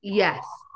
Yes.